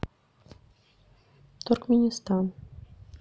туркменистан